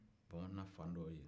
bamananya fan dɔ y'o ye